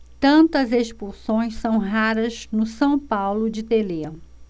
tantas expulsões são raras no são paulo de telê